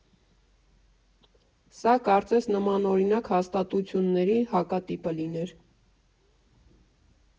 Սա կարծես նմանօրինակ հաստատությունների հակատիպը լիներ։